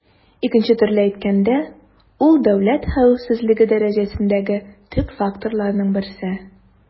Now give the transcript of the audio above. Икенче төрле әйткәндә, ул дәүләт хәвефсезлеге дәрәҗәсендәге төп факторларның берсе.